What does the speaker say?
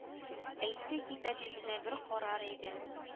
Әйтте китап йөзенә бер карар идем